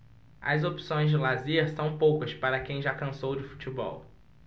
as opções de lazer são poucas para quem já cansou de futebol